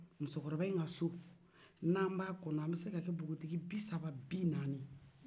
musokɔrɔba in so n'an b'a kono an bɛ se ka kɛ npogotigui bi saba bi naani